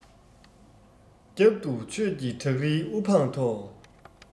རྒྱབ ཏུ ཆོས ཀྱི བྲག རི དབུ འཕང མཐོ